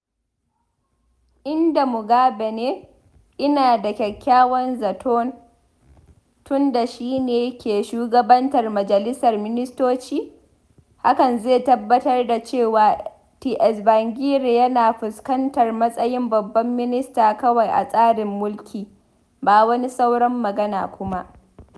Inda Mugabe ne, ina da kyakkyawan zaton, tun da shine ke Shugabantar Majalisar Ministoci, hakan zai tabbatar da cewa Tsvangirai yana fuskantar matsayin Babban Minister kawai a tsarin mulki, ba wani sauran magana kuma .